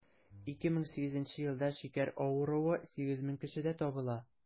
2008 елда шикәр авыруы 8 мең кешедә табыла.